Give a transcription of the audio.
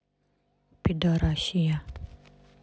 пидарасия